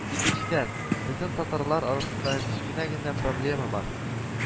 Икенчедән, безнең татарлар арасында кечкенә генә проблема бар